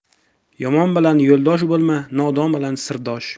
yomon bilan yo'ldosh bo'lma nodon bilan sirdosh